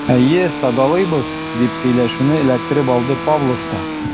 Әйе, сагалыйбыз, - дип сөйләшүне эләктереп алды Павлов та.